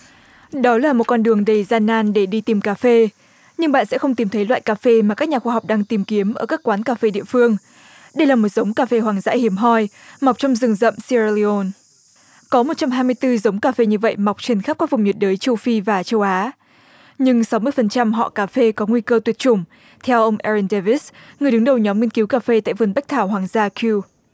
đó là một con đường đầy gian nan để đi tìm cà phê nhưng bạn sẽ không tìm thấy loại cà phê mà các nhà khoa học đang tìm kiếm ở các quán cà phê địa phương đây là một giống cà phê hoang dã hiếm hoi mọc trong rừng rậm sia ra li on có một trăm hai mươi tư giống cà phê như vậy mọc trên khắp các vùng nhiệt đới châu phi và châu á nhưng sáu mươi phần trăm họ cà phê có nguy cơ tuyệt chủng theo ông e lừn đơ vít người đứng đầu nhóm nghiên cứu cà phê tại vườn bách thảo hoàng gia kiu